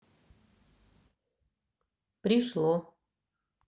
пришло